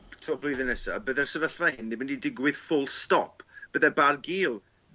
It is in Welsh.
'to blwyddyn nesaf bydde'r sefyllfa hyn ddim wedi digwydd full stop. Bydde Barguil